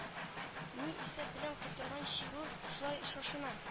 Ни исәп белән котырган чирү шулай шашына